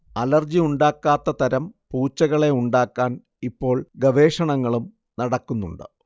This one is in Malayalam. അലർജി ഉണ്ടാക്കാത്തതരം പൂച്ചകളെ ഉണ്ടാക്കാൻ ഇപ്പോൾ ഗവേഷണങ്ങളും നടക്കുന്നുണ്ട്